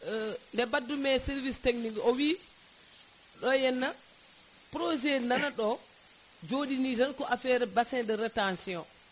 nde mbaddumi e service technique o wii ɗo henna projet nana ɗo joɗani tan ko affaire bassin de rétention